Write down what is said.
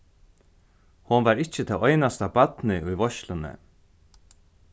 hon var ikki tað einasta barnið í veitsluni